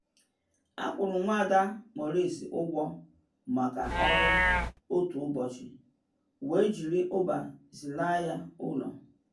Akwụrụ Nwada Maurice ụgwọ maka ọrụ otu ụbọchị wee jiri Uber zilaa ya ụlọ.